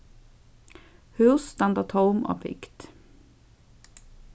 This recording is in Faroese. hús standa tóm á bygd